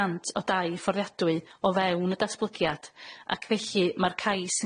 cant o dai fforddiadwy o fewn y datblygiad ac felly ma'r cais